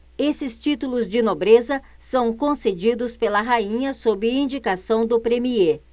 esses títulos de nobreza são concedidos pela rainha sob indicação do premiê